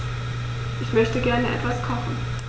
Ich möchte gerne etwas kochen.